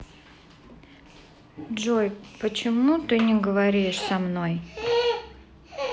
джой почему ты не говоришь со мной